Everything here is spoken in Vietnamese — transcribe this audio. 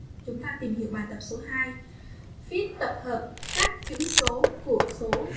chúng ta tìm hiểu bài tập số viết tập hợp các chữ số của số